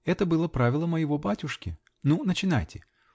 Это было правило моего батюшки. Ну, начинайте.